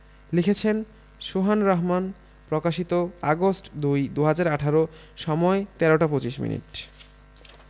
লিখেছেনঃ শোহান রাহমান প্রকাশিতঃ আগস্ট ২ ২০১৮ সময়ঃ ১৩টা ২৫ মিনিট